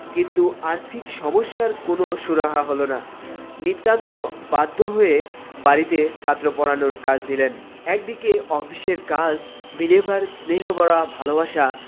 কিন্তু আর্থিক সমস্যার কোনো সুরাহা হলো না নিতান্ত বাধ্য হয়ে বাড়িতে ছাত্র পড়ানোর কাজ নিলেন অফিসের কাজ মিলেভার স্নেহ ভরা ভালোবাসা